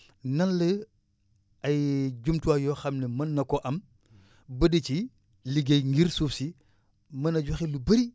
nan la ay jumtuwaay yoo xam ne mën na ko am ba di ci liggéey ngir suuf si mën a joxe lu bëri